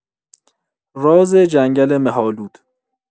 راز جنگل مه‌آلود